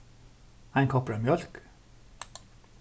ein koppur av mjólk